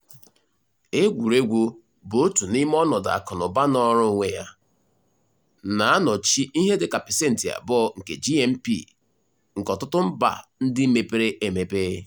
Egwuregwu bụ otu n'ime ọnọdụ akụnụba nọrọ onwe ya, na-anọchi ihe dịka 2% nke GNP nke ọtụtụ mba ndị mepere emepe.